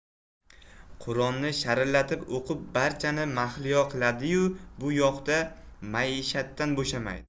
qur'onni sharillatib o'qib barchani mahliyo qiladi yu bu yoqda maishatdan bo'shamaydi